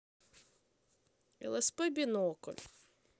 лсп бинокль